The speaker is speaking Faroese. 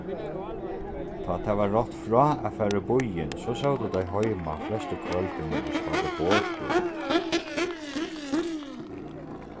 tá tað var rátt frá at fara í býin so sótu tey heima flestu kvøldini og spældu borðspøl